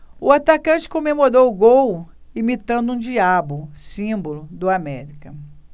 o atacante comemorou o gol imitando um diabo símbolo do américa